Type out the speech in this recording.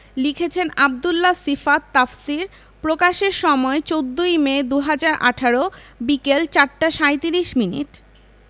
লিখেছেনঃ আব্দুল্লাহ সিফাত তাফসীর প্রকাশের সময় ১৪মে ২০১৮ বিকেল ৪ টা ৩৭ মিনিট